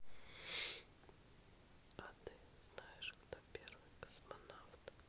а ты знаешь кто первый космонавт